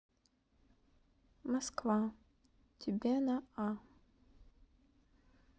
москва тебе на а